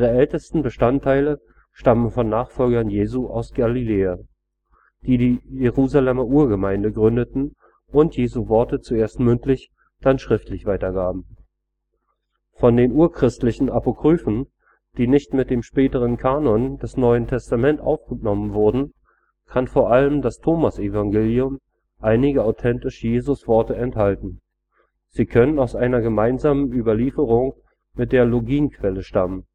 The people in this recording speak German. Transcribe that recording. ältesten Bestandteile stammen von Nachfolgern Jesu aus Galiläa, die die Jerusalemer Urgemeinde gründeten und Jesu Worte zuerst mündlich, dann schriftlich weitergaben. Von den urchristlichen Apokryphen, die nicht in den späteren Kanon des NT aufgenommen wurden, kann vor allem das Thomasevangelium einige authentische Jesusworte enthalten. Sie können aus einer gemeinsamen Überlieferung mit der Logienquelle stammen